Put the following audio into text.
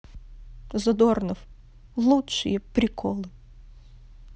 задорнов лучшие приколы